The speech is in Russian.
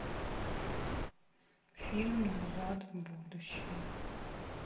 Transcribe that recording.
фильм назад в будущее